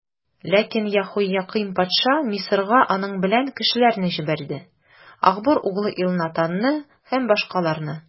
Ләкин Яһоякыйм патша Мисырга аның белән кешеләрне җибәрде: Ахбор углы Элнатанны һәм башкаларны.